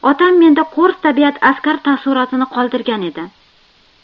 otam menda qo'rs tabiat askar taassurotini qoldirgan edi